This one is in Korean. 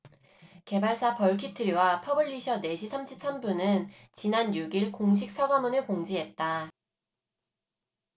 개발사 벌키트리와 퍼블리셔 네시삼십삼분은 지난 육 일 공식 사과문을 공지했다